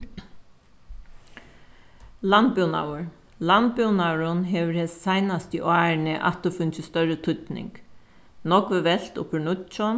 landbúnaður landbúnaðurin hevur hesi seinasti árini aftur fingið størri týdning nógv er velt upp úr nýggjum